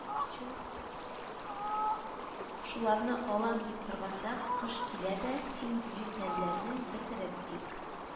Шуларны алам дип торганда, кош килә дә: «Син дию пәриләрен бетереп бик